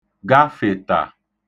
gafètà